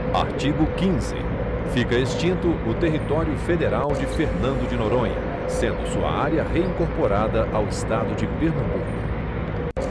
artigo quinze fica extinto o território federal de fernando de noronha sendo sua área reincorporada ao estado de pernambuco